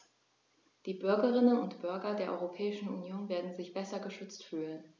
Die Bürgerinnen und Bürger der Europäischen Union werden sich besser geschützt fühlen.